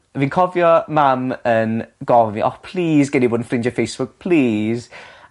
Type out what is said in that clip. Fi'n cofio mam yn gof' fi o plîs gei di fod yn ffrindie Facebook plîs?